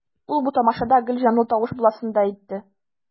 Ул бу тамашада гел җанлы тавыш буласын да әйтте.